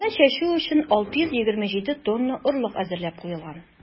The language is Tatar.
Анда чәчү өчен 627 тонна орлык әзерләп куелган.